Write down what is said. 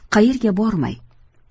qayerga bormay